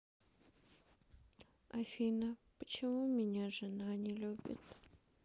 афина почему меня жена не любит